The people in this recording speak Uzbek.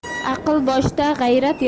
aql boshda g'ayrat